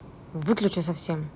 выключить совсем